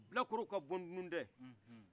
bilakorow ka bɔ dunutɛ